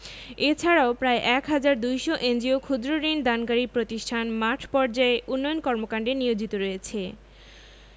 এছাড়াও প্রায় ১ হাজার ২০০ এনজিও ক্ষুদ্র্ ঋণ দানকারী প্রতিষ্ঠান মাঠপর্যায়ে উন্নয়ন কর্মকান্ডে নিয়োজিত রয়েছে